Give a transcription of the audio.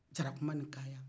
diarrakunba ni kaaya